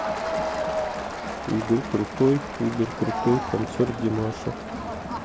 игорь крутой игорь крутой концерт димаша